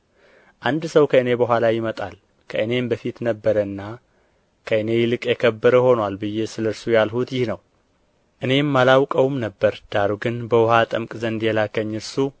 አንድ ሰው ከእኔ በኋላ ይመጣል ከእኔም በፊት ነበርና ከእኔ ይልቅ የከበረ ሆኖአል ብዬ ስለ እርሱ ያልሁት ይህ ነው እኔም አላውቀውም ነበር ዳሩ ግን በውኃ አጠምቅ ዘንድ የላከኝ እርሱ